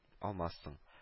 Алмассың